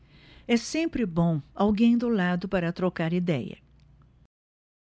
é sempre bom alguém do lado para trocar idéia